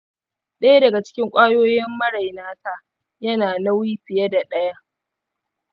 ɗaya daga cikin ƙwayoyin marainata yana nauyi fiye da ɗayan.